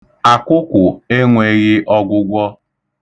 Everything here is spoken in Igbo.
Akwụkwụ enweghị ọgwụgwọ.